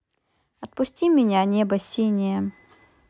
отпусти меня небо синее